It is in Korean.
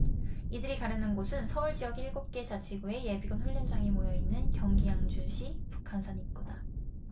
이들이 가려는 곳은 서울 지역 일곱 개 자치구의 예비군 훈련장이 모여 있는 경기 양주시 북한산 입구다